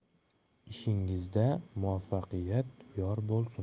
ishingizda muvafaqqiyat yor bo'lsin